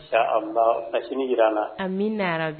Ya Allahou ka sini jira an na, amina rabi!